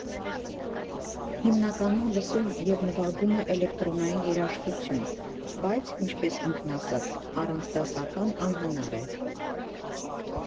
Հիմնականում լսում և նվագում է էլեկտրոնային երաժշտություն, բայց, ինչպես ինքն ասաց՝ «առանց դասական անհնար է»։